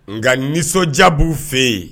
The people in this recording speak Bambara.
Nka nisɔndiya b'u fe ye